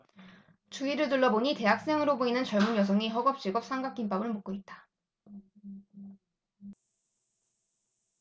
주위를 둘러보니 대학생으로 보이는 젊은 여성이 허겁지겁 삼각김밥을 먹고 있다